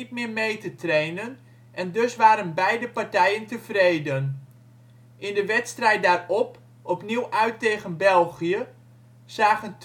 meer mee te trainen, en dus waren beide partijen tevreden. In de wedstrijd daarop, opnieuw uit tegen België, zagen